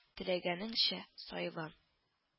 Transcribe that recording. Теләгәнеңчә сайлан